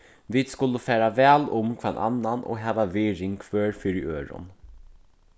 vit skulu fara væl um hvønn annan og hava virðing hvør fyri øðrum